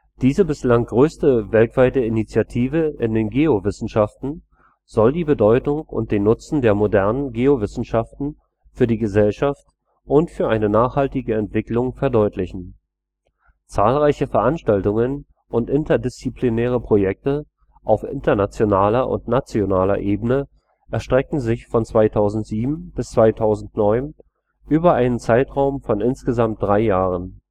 Diese bislang größte weltweite Initiative in den Geowissenschaften soll die Bedeutung und den Nutzen der modernen Geowissenschaften für die Gesellschaft und für eine nachhaltige Entwicklung verdeutlichen. Zahlreiche Veranstaltungen und interdisziplinäre Projekte auf internationaler und nationaler Ebene erstreckten sich von 2007 bis 2009 über einen Zeitraum von insgesamt drei Jahren